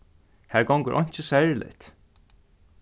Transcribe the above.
har gongur einki serligt